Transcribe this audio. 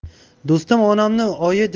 do'stim onamni oyi